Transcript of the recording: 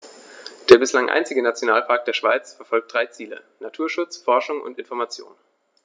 Der bislang einzige Nationalpark der Schweiz verfolgt drei Ziele: Naturschutz, Forschung und Information.